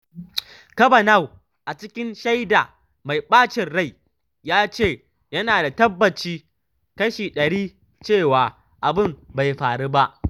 Kavanaugh, a cikin shaida mai ɓacin rai, ya ce yana da tabbaci kashi 100 cewa abin bai faru ba.